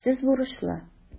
Сез бурычлы.